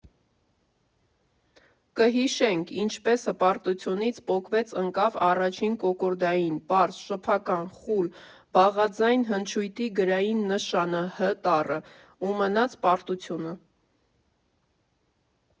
Կհիշենք՝ ինչպես հպարտությունից պոկվեց ընկավ առաջին՝ կոկորդային, պարզ, շփական, խուլ, բաղաձայն հնչույթի գրային նշանը՝ հ տառը, ու մնաց պարտությունը։